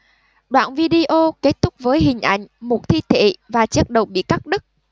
đoạn video kết thúc với hình ảnh một thi thể và chiếc đầu bị cắt đứt